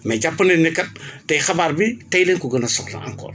mais jàpp leen ni kat tey xabaar bi tey ngeen ko gën a soxla encore